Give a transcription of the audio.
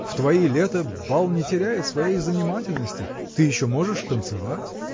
В твои лета бал не теряет своей занимательности ты еще можешь танцевать.